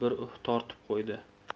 bir uh tortib qo'ydi